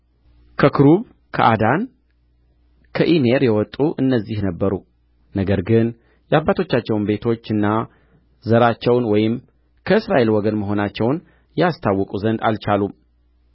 ከክሩብ ከአዳን ከኢሜር የወጡ እነዚህ ነበሩ ነገር ግን የአባቶቻቸውን ቤቶችና ዘራቸውን ወይም ከእስራኤል ወገን መሆናቸውን ያስታውቁ ዘንድ አልቻሉም